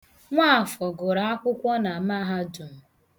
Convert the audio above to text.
Nwaafọ gụrụ akwụkwọ na mahadum.